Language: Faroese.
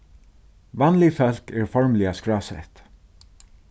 vanlig fólk eru formliga skrásett